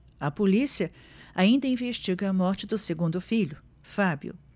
a polícia ainda investiga a morte do segundo filho fábio